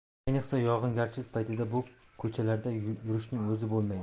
ayniqsa yog'ingarchilik paytida bu ko'chalarda yurishning o'zi bo'lmaydi